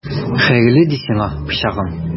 Хәерле ди сиңа, пычагым!